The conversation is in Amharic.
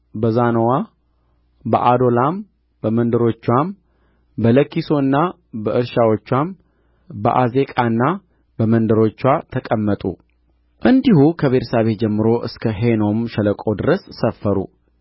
በዛኖዋ በዓዶላም በመንደሮቻቸውም በለኪሶና በእርሻዎችዋ በዓዜቃና በመንደሮችዋ ተቀመጡ እንዲሁ ከቤርሳቤህ ጀምሮ እስከ ሄኖም ሸለቆ ድረስ ሰፈሩ